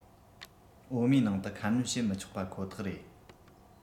འོ མའི ནང དུ ཁ སྣོན བྱེད མི ཆོག པ ཁོ ཐག རེད